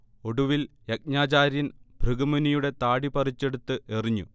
ഒടുവിൽ യജ്ഞാചാര്യൻ ഭൃഗുമുനിയുടെ താടി പറിച്ചെടുത്ത് എറിഞ്ഞു